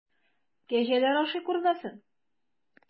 Кәҗәләр ашый күрмәсен!